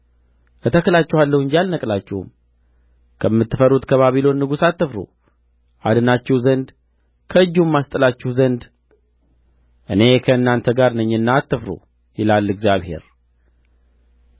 እተክላችኋለሁ እንጂ አልነቅላችሁም ከምትፈሩት ከባቢሎን ንጉሥ አትፍሩ አድናችሁ ዘንድ ከእጁም አስጥላችሁ ዘንድ እኔ ከእናንተ ጋር ነኝና አትፍሩ ይላል እግዚአብሔር